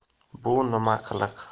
bu nima qiliq